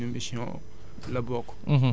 loolu tamit ci suñu mission la bokk